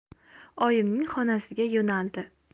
oyimning xonasiga yo'naldi